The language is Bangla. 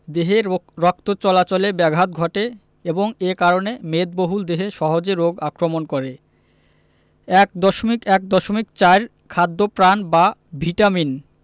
দেহে রক্ত চলাচলে ব্যাঘাত ঘটে এবং এ কারণে মেদবহুল দেহে সহজে রোগ আক্রমণ করে ১.১.৪ খাদ্যপ্রাণ বা ভিটামিন